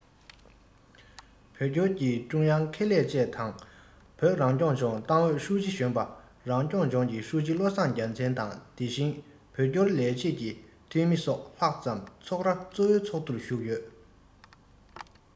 བོད སྐྱོར གྱི ཀྲུང དབྱང ཁེ ལས བཅས དང བོད རང སྐྱོང ལྗོངས ཏང ཨུད ཀྱི ཧྲུའུ ཅི གཞོན པ རང སྐྱོང ལྗོངས ཀྱི ཀྲུའུ ཞི བློ བཟང རྒྱལ མཚན དང དེ བཞིན བོད སྐྱོར ལས བྱེད ཀྱི འཐུས མི སོགས ལྷག ཙམ ཚོགས ར གཙོ བོའི ཚོགས འདུར ཞུགས ཡོད